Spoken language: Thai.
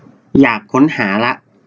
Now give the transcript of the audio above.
อยากค้นหาละ